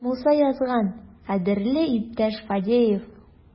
Муса язган: "Кадерле иптәш Фадеев!"